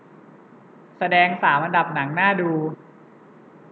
แสดงสามอันดับหนังน่าดู